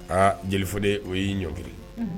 Aa jeli fɔden o y'i ɲɔiri